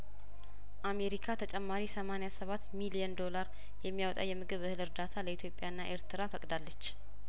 አሜሪካ ተጨማሪ ሰማኒያሰባት ሚሊየን ዶላር የሚያወጣ የምግብ እህል እርዳታ ለኢትዮጵያና ኤርትራ ፈቅዳለች